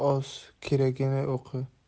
oz keragini o'qi